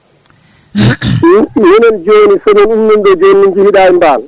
enen joni seɗen ummima ɗo joni en jeeyi ɗa e Mbal